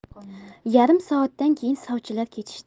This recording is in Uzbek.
yarim soatdan keyin sovchilar ketishdi